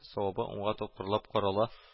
Савабы унга тапкырлап карала